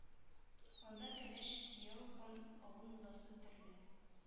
Анда кәләш кияү һәм авыл мулласы үтерелә